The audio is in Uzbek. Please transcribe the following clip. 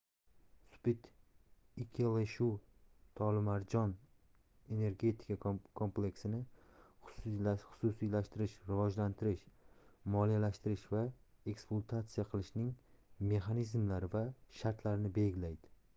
sputnikkelishuv tolimarjon energetika kompleksini xususiylashtirish rivojlantirish moliyalashtirish va ekspluatatsiya qilishning mexanizmlari va shartlarini belgilaydi